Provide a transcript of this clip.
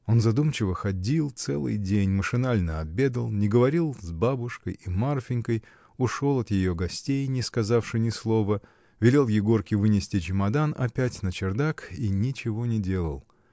Он задумчиво ходил целый день, машинально обедал, не говорил с бабушкой и Марфинькой, ушел от ее гостей, не сказавши ни слова, велел Егорке вынести чемодан опять на чердак и ничего не делал.